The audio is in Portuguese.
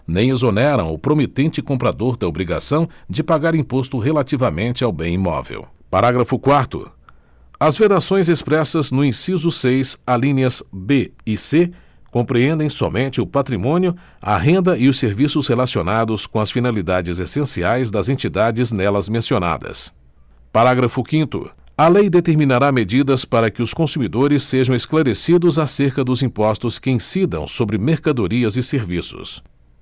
nem exoneram o promitente comprador da obrigação de pagar imposto relativamente ao bem imóvel parágrafo quarto as vedações expressas no inciso seis alíneas b e c compreendem somente o patrimônio a renda e os serviços relacionados com as finalidades essenciais das entidades nelas mencionadas parágrafo quinto a lei determinará medidas para que os consumidores sejam esclarecidos acerca dos impostos que incidam sobre mercadorias e serviços